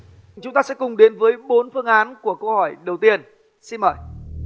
chúng ta sẽ cùng đến với bốn phương án của câu hỏi đầu tiên xin mời